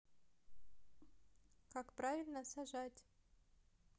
как правильно сажать